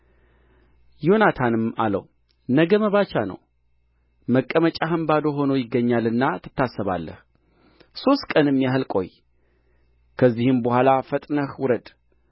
ዮናታንም አለው ነገ መባቻ ነው መቀመጫህም ባዶ ሆኖ ይገኛልና ትታሰባለህ ሦስት ቀንም ያህል ቆይ ከዚህም በኋላ ፈጥነህ ውረድ